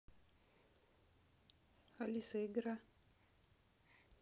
алиса игра